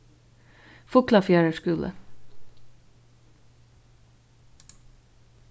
fuglafjarðar skúli